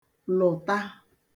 lụ̀ta